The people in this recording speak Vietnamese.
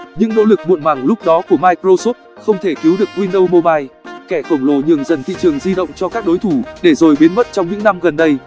những nỗ lực muộn màng lúc đó của microsoft không thể cứu được windows mobile kẻ khổng lồ nhường dần thị trường di động cho các đối thủ để rồi biến mất trong những năm gần đây